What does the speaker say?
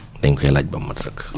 dañ koy laaj ba mu mot sëkk